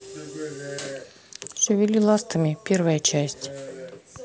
шевели ластами первая часть